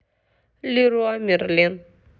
леруа мерлен